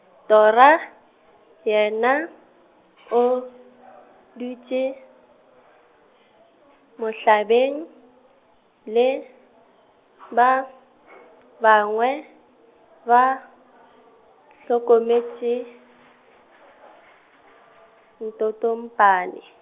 Tora, yena, o , dutše, mohlabeng, le, ba , bangwe, ba, hlokometše, Ntotompane.